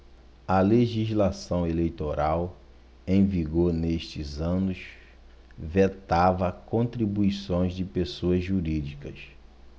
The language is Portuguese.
a legislação eleitoral em vigor nesses anos vetava contribuições de pessoas jurídicas